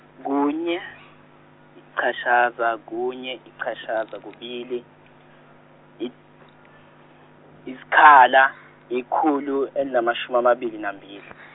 kunye yichashaza kunye yichashaza kubili id- isikhala ikhulu elinamshumi amabili nambili.